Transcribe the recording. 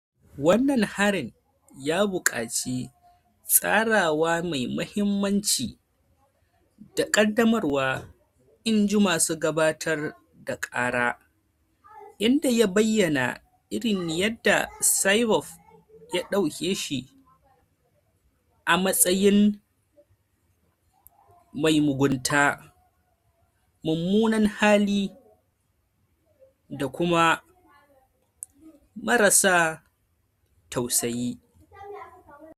Wannan harin ya buƙaci "tsarawa mai mahimmanci da ƙaddamarwa," in ji masu gabatar da ƙara, inda ya bayyana irin yadda Saipov ya ɗauke shi a matsayin "mai mugunta, mummunan hali da kuma mara sa tausayi."